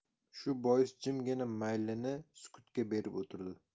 shu bois jimgina maylini sukutga berib o'tirdi